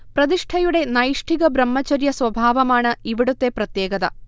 പ്രതിഷ്ഠയുടെ നൈഷ്ഠിക ബ്രഹ്മചര്യ സ്വഭാവമാണ് ഇവിടുത്തെ പ്രത്യേകത